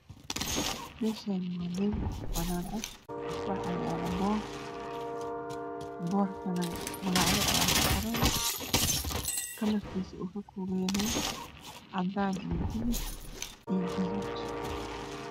Meshan waa mel banan ah waxa yalo bor boorkane magacyo aya kuQoran kalarkisu uu ka kobanyahay cadan Iyo bulug iyo gudud